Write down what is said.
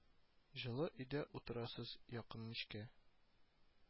Җылы өйдә утырасыз якын мичкә